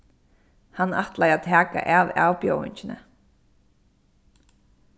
hann ætlaði at taka av avbjóðingini